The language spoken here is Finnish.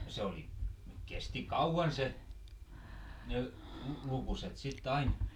se oli kesti kauan se ne lukuset sitten aina